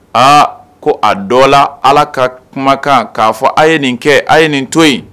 Aa ko a dɔ la ala ka kumakan k'a fɔ a ye nin kɛ a ye nin to yen